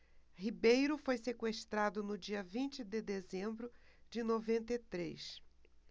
ribeiro foi sequestrado no dia vinte de dezembro de noventa e três